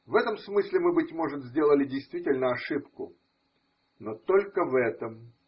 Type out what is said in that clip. В этом смысле мы, быть может, сделали действительно ошибку, но только в этом.